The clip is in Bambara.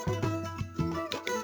San